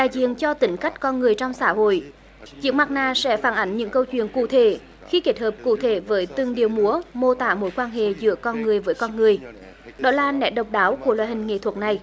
đại diện cho tính cách con người trong xã hội chiếc mặt nạ sẽ phản ánh những câu chuyện cụ thể khi kết hợp cụ thể với từng điệu múa mô tả mối quan hệ giữa con người với con người đó là nét độc đáo của loại hình nghệ thuật này